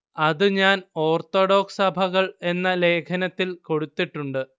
അത് ഞാൻ ഓർത്തഡോക്സ് സഭകൾ എന്ന ലേഖനത്തിൽ കൊടുത്തിട്ടുണ്ട്